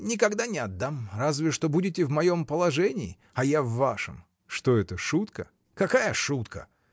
никогда не отдам, разве что будете в моем положении, а я в вашем. — Что это, шутка? — Какая шутка!